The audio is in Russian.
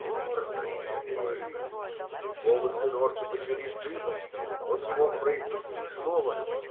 Норти!" Волосы Норти поднялись дыбом, он не мог произнести ни слова.